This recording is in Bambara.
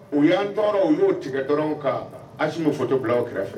U y'an tɔɔrɔ u y'o tigɛ dɔrɔnw kan ayi'o fɔtu bila aw kɛrɛfɛ